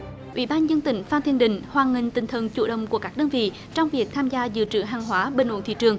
ủy ban nhân dân tỉnh phan thiên định hoan nghênh tinh thần chủ động của các đơn vị trong việc tham gia dự trữ hàng hóa bình ổn thị trường